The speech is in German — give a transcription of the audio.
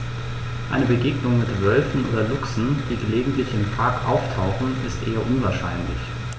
Eine Begegnung mit Wölfen oder Luchsen, die gelegentlich im Park auftauchen, ist eher unwahrscheinlich.